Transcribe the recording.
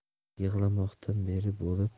yig'lamoqdan beri bo'lib